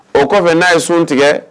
O kɔfɛ n'a ye sun tigɛ